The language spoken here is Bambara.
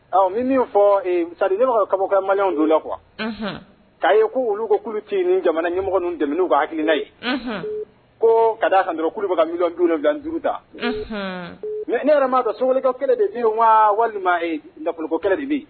Ni min fɔ masadi ne ka kabakanmayaw don la qu kuwa'a ye' olu ko ci nin jamana ɲɛmɔgɔ ninnu tɛmɛn ka hakiliina ye ko ka sanlo bɛ ka mi dufila juruuru ta mɛ ne yɛrɛ'a dɔn solika kelen de bi yen wa walima nafolokokɛ de bi yen